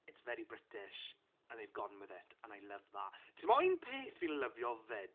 It's very British and they've gone with it and I love that. Timod un peth fi'n lyfio 'fyd?